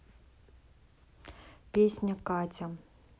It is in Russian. песня катя